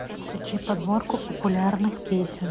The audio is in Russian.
включи подборку популярных песен